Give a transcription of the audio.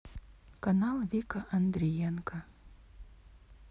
канал вика андриенко